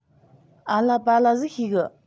ཨ ལ པ ལ ཟིག ཤེས གི